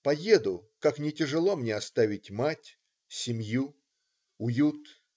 Поеду, как ни тяжело мне оставить мать, семью, уют.